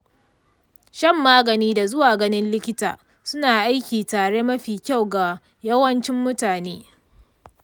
shan magani da zuwa ganin likita suna aiki tare mafi kyau ga yawancin mutane.